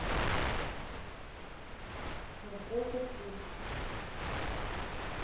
настройка пьют